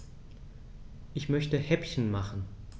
Ich möchte Häppchen machen.